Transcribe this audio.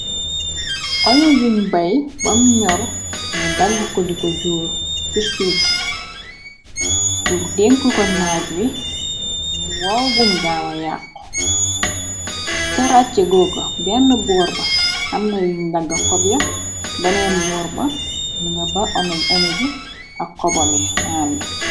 Onu buñ bay bam ñyor ñu dagg ko diko jóor ci suuf, pur denku ko naaj wi mu waw bum gaawa yàxu caracce gogga benn boor ba amna yuñ dagg xobya baneen boor ba ñu nga ba oño ji ak xobami ànda.